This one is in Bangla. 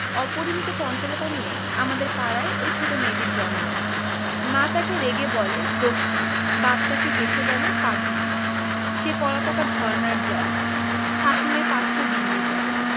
অপরিমিত চঞ্চলতা নিয়ে আমাদের পাড়ায় ঐ ছোট মেয়েটির জন্ম মা তাকে রেগে বলে দস্যি বাপ তাকে হেসে বলে পাগলি সে পলাতকা ঝরনার জল শাসনের পাথর ডিঙ্গিয়ে চলে